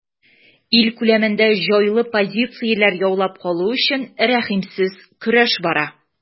Ил күләмендә җайлы позицияләр яулап калу өчен рәхимсез көрәш бара.